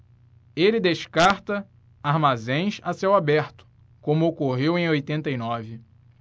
ele descarta armazéns a céu aberto como ocorreu em oitenta e nove